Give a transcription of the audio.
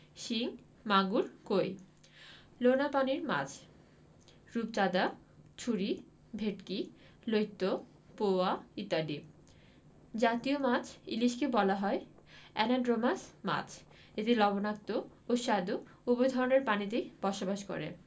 শিং মাগুর কৈ লোনাপানির মাছ রূপচাঁদা ছুরি ভেটকি লইট্ট পোয়া ইত্যাদি জাতীয় মাছ ইলিশকে বলা হয় অ্যানাড্রোমাস মাছ এটি লবণাক্ত ও স্বাদু উভয় ধরনের পানিতেই বসবাস করে